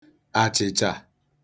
àchị̀chà